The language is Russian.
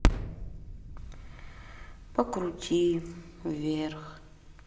покрути вверх